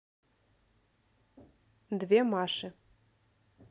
две маши